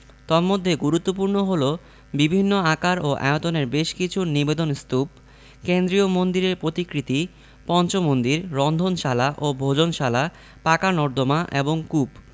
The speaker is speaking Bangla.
তন্মধ্যে গুরুত্বপূর্ণ হলো বিভিন্ন আকার ও আয়তনের বেশ কিছু নিবেদন স্তূপ কেন্দ্রীয় মন্দিরের প্রতিকৃতি পঞ্চ মন্দির রন্ধনশালা ও ভোজনশালা পাকা নর্দমা এবং কূপ